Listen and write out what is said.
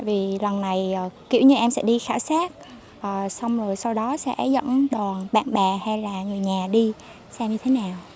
vì lần này kiểu như em sẽ đi khảo sát họ xong rồi sau đó sẽ dẫn đoàn bạn bè hay là người nhà đi xem như thế nào